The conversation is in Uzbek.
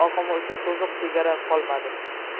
oqimi uchun to'siq chegara qolmadi